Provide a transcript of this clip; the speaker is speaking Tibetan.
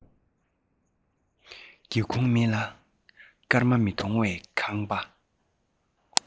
སྒེའུ ཁུང མེད ལ སྐར མ མི མཐོང བའི ཁང པ